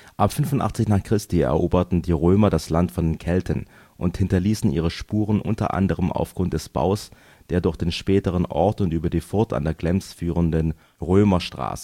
Ab 85 n. Chr. eroberten die Römer das Land von den Kelten und hinterließen ihre Spuren unter anderem aufgrund des Baus der durch den späteren Ort und über die Furt an der Glems führenden Römerstraße